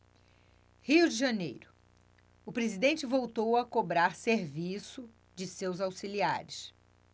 rio de janeiro o presidente voltou a cobrar serviço de seus auxiliares